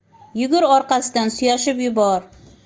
yugur orqasidan suyashib yubor